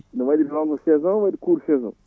ene waɗi longue saison ene waɗi court saison